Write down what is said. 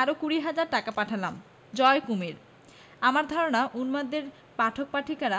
আরো কুড়ি হাজার টাকা পাঠালাম জয় কুমীর আমার ধারণা উন্মাদের পাঠক পাঠিকার